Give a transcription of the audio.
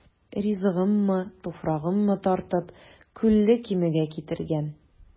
Ризыгыммы, туфрагыммы тартып, Күлле Кимегә китергән.